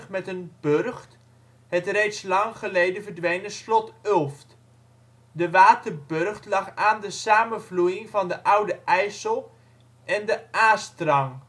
met een burcht: het reeds lang geleden verdwenen Slot Ulft. De waterburcht lag aan de samenvloeiing van de Oude IJssel en de AA-strang